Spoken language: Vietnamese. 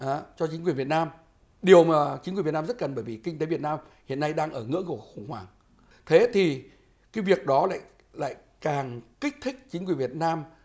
dạ cho chính quyền việt nam điều mà chính quyền việt nam rất cần bởi vì kinh tế việt nam hiện nay đang ở ngưỡng của khủng hoảng thế thì cái việc đó lại lại càng kích thích chính quyền việt nam